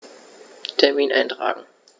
Termin eintragen